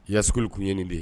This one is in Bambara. Yasikuli tun ye nin de ye